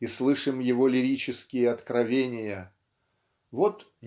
и слышим его лирические откровения. Вот